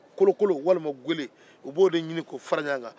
kolokolo walima gele u b'o de ɲini ka fara ɲɔgɔn kan